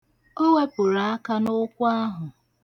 O wepụrụ aka n'okwu ahụ.